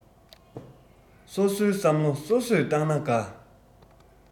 སོ སོའི བསམ བློ སོ སོས བཏང ན དགའ